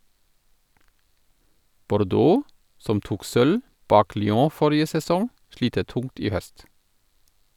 Bordeaux, som tok sølv bak Lyon forrige sesong, sliter tungt i høst.